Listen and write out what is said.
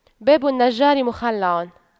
باب النجار مخَلَّع